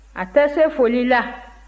a tɛ se foli la